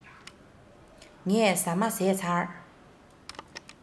ངས ཟ མ བཟས ཚར